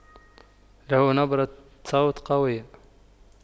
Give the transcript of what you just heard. له نبرة صوت قوية